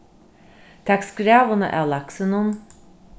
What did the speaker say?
tak skræðuna av laksinum